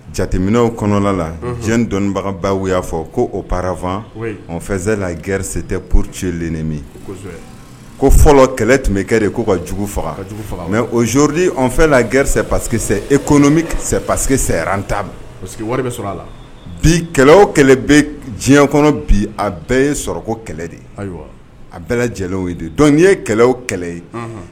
Jateminɛw kɔnɔ la diɲɛ dɔnnibagaba y'a fɔ ko o parafasɛ la gsɛ tɛ porotilen min ko fɔlɔ kɛlɛ tun bɛ kɛ de ko ka jugu faga mɛ ozodi pa e kɔnɔ pa que sɛran ta bi kɛlɛ kɛlɛ bɛ diɲɛ kɔnɔ bi a bɛɛ ye sɔrɔ ko kɛlɛ de a bɛɛ lajɛlen don ye kɛlɛ kɛlɛ ye